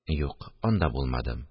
– юк, анда булмадым